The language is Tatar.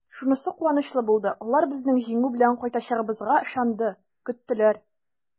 Шунысы куанычлы булды: алар безнең җиңү белән кайтачагыбызга ышанды, көттеләр!